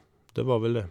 Det var vel det.